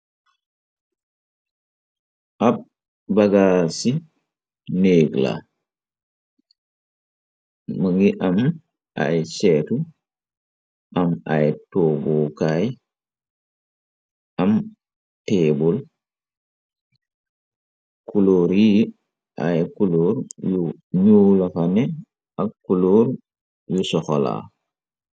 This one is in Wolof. Ab bagaaci negg la mu ngi am ay seetu am ay toogukaay am teebul kulóor yi ay kuloor yu nu lafane ak kulóor yu soxola.